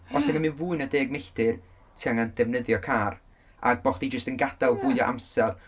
Os ti'n mynd fwy na deg miltir, ti angen defnyddio car ac bod chi jyst yn gadael fwy o amser.